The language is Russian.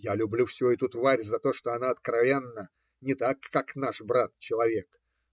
Я люблю всю эту тварь за то, что она откровенна, не так, как наш брат человек.